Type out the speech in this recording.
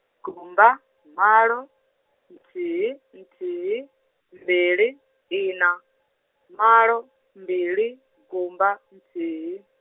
gumba, malo, nthihi, nthihi, mbili, ina, malo, mbili, gumba, nthihi.